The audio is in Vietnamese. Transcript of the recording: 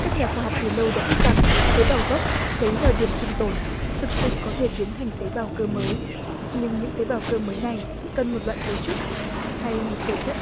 các nhà khoa học từ lâu đã biết rằng tế bào gốc cấy vào điểm thương tổn thực sự có thể biến thành tế bào cơ mới nhưng những tế bào cơ mới này cần một loại cấu trúc hay một cơ chất